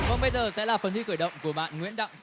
vâng bây giờ sẽ là phần thi khởi động của bạn nguyễn đặng